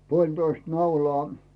puolitoista naulaa